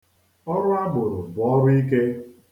Ọrụ agboro bụ ọrụ ike.